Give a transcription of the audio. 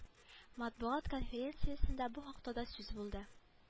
Матбугат конференциясендә бу хакта да сүз булды